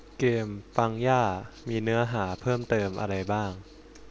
เกมปังย่ามีเนื้อหาเพิ่มเติมอะไรบ้าง